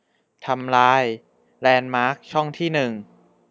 ทำลายแลนด์มาร์คช่องที่หนึ่ง